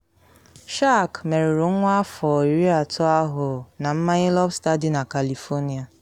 Shark merụrụ nwa afọ 13 ahụ na mmanye lọbsta dị na California